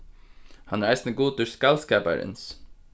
hann er eisini gudur skaldskaparins